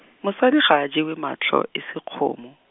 mosadi ga a jewe matlho, e se kgomo.